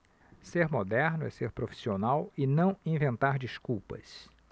ser moderno é ser profissional e não inventar desculpas